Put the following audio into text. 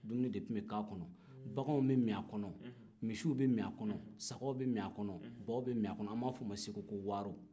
dumuni de tun bɛ k'a kɔnɔ baganw bɛ min a kɔnɔ misiw bɛ min a kɔnɔ sagaw bɛ min a kɔnɔ baw bɛ min a kɔnɔ an b'a f'o ma segu ko waaro